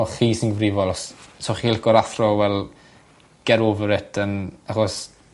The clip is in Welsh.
fel chi sy'n gyfrifol os so chi'n lico'r athre wel ger over it an' achos